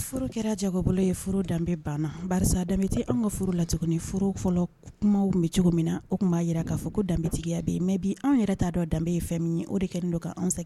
Furu kɛra jagobolo ye furu danbe banna barisa danbe tɛ anw ka furu la tuguni furu fɔlɔ kumaw tun bɛ cogo min na o tun b'a jira k'a fɔ ko danbetigiya bɛ yen mais bi an yɛrɛ t'a dɔn danbe ye fɛn min ye o de kɛlen don ka anw sɛgɛn